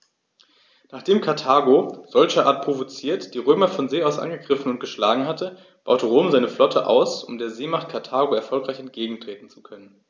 Nachdem Karthago, solcherart provoziert, die Römer von See aus angegriffen und geschlagen hatte, baute Rom seine Flotte aus, um der Seemacht Karthago erfolgreich entgegentreten zu können.